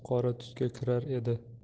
qora tusga kirar edi